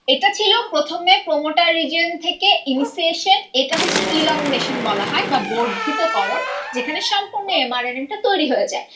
এটা ছিল promoter region থেকে ইনিসিয়েশন এটা হচ্ছে ইলংগেশন বলা হয় বা বর্ধিত করণ যেখানে সম্পূর্ণ এম আর এন এটা তৈরি হয়ে যায়